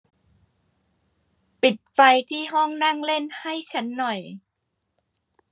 ปิดไฟที่ห้องนั่งเล่นให้ฉันหน่อย